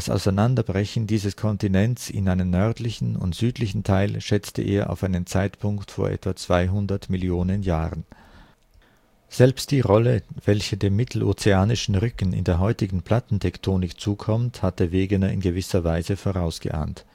Auseinanderbrechen dieses Kontinents in einen nördlichen und südlichen Teil schätzte er auf einen Zeitpunkt vor etwa 200 Millionen Jahren. Selbst die Rolle, welche dem Mittelozeanischen Rücken in der heutigen Plattentektonik zukommt, hatte Wegener in gewisser Weise vorausgeahnt